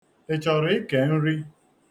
̣Ị chọrọ ike nri?